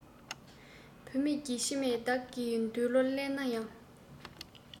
བུད མེད ཀྱི མཆི མས བདག གི འདོད བློ བརླན ན ཡང